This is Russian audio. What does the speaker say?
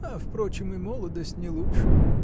А впрочем, и молодость не лучше.